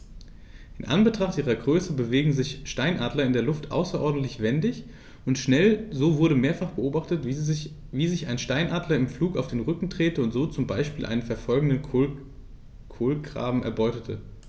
In Anbetracht ihrer Größe bewegen sich Steinadler in der Luft außerordentlich wendig und schnell, so wurde mehrfach beobachtet, wie sich ein Steinadler im Flug auf den Rücken drehte und so zum Beispiel einen verfolgenden Kolkraben erbeutete.